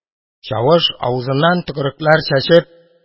Чавыш, авызыннан төкерекләр чәчеп: